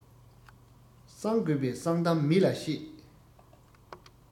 གསང དགོས པའི གསང གཏམ མི ལ བཤད